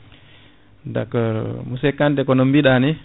d'accord monsieur Kante kono biɗani